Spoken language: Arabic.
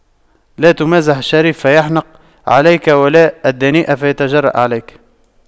لا تمازح الشريف فيحنق عليك ولا الدنيء فيتجرأ عليك